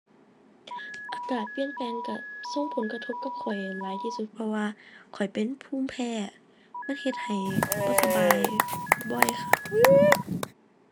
อากาศเปลี่ยนแปลงก็ส่งผลกระทบกับข้อยนั่นหลายที่สุด เพราะว่าข้อยเป็นภูมิแพ้ มันเฮ็ดให้บ่สบายบ่อยคัก